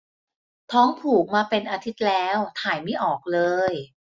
ท้องผูกมาเป็นอาทิตย์แล้วถ่ายไม่ออกเลย